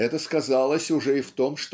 Это сказалось уже и в том